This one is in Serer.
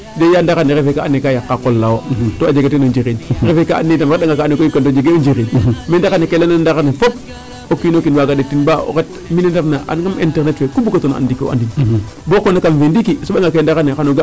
Dèjas ndaxar refee kaa andoona yee kaa yaq kaa o qol laa wo to a jega teen o njiriñ refee kaa andoona ye taam um reɗ'anga ka andoona yee jegee o njiriñ) ndaxar ne fop o kiin o kiin waag o mba o ret me ta refna internet fee ku bugatoona and ndiiki o andin).